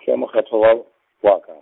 hle mokgethwa wa, wa ka.